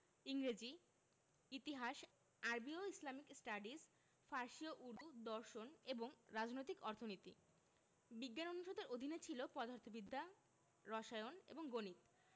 ইংরেজি ইতিহাস আরবি ও ইসলামিক স্টাডিজ ফার্সি ও উর্দু দর্শন এবং রাজনৈতিক অর্থনীতি বিজ্ঞান অনুষদের অধীনে ছিল পদার্থবিদ্যা রসায়ন এবং গণিত